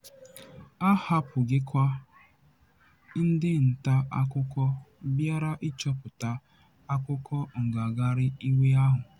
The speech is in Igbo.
A hapụghịkwa ndị nta akụkọ bịara ịchọpụta akụkọ ngagharị iwe ahụ.